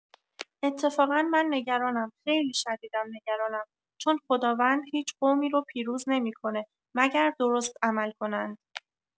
اتفاقا من نگرانم خیلی شدیدم نگرانم چون خداوند هیچ قومی رو پیروز نمی‌کنه مگر درست عمل کنند.